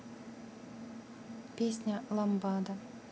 песня ламбада